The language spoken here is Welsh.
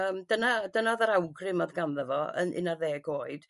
Yym dyna dyna odd yr awgrym odd ganddo fo yn un ar ddeg oed